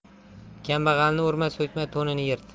kambag'alni urma so'kma to'nini yirt